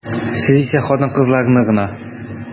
Сез исә хатын-кызларны гына.